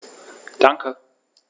Danke.